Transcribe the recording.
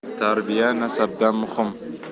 tarbiya nasabdan muhim